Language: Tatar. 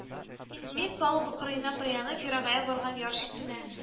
Мин, палуба кырыена таянып, ерагая барган яр читенә